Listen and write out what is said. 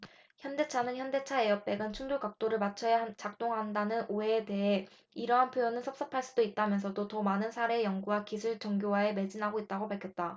현대차는 현대차 에어백은 충돌 각도를 맞춰야 작동한다는 오해에 대해 이러한 표현은 섭섭할 수도 있다면서도 더 많은 사례 연구와 기술 정교화에 매진하고 있다고 밝혔다